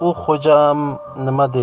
u xo'jam nima deydi